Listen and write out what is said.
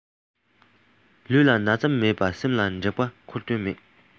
ལུས ལ ན ཚ མེད པར སེམས ལ དྲེག པ ཁུར དོན མེད